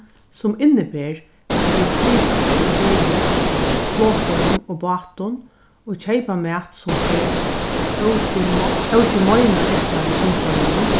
sum inniber at vit flyta okkum í bili flogførum og bátum og keypa mat sum fer ógemeina illa við umhvørvinum